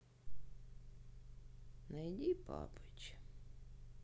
найди папыч